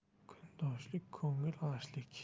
kundoshlik ko'ngil g'ashlik